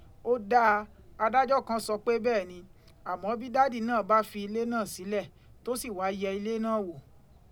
Ó dáa, adájọ́ kan sọ pé bẹ́ẹ̀ ni, àmọ́ bí dádì náà bá fi ilé náà sílẹ̀, tó sì wá yẹ ilé náà wò.